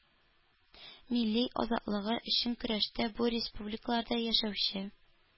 Милли азатлыгы өчен көрәштә бу республикаларда яшәүче